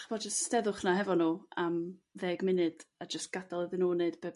'Dach ch'bo' jys' steddwch 'na hefo nhw am ddeg munud a jyst gada'l iddyn nhw wneud be'